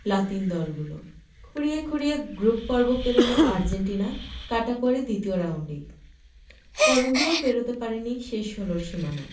লাতিন দলগুলো খুঁড়িয়ে খুঁড়িয়ে গ্রুপপর্ব পেরনো আর্জেন্টিনা কাটা পড়ে দ্বিতীয় রাউন্ডেই কলম্বিয়াও পেরোতে পারেনি শেষ ষোলোর সীমানা